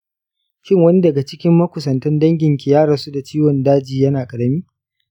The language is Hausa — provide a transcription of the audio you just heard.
shin wani daga cikin makusantan danginki ya rasu da ciwon daji yana ƙarami?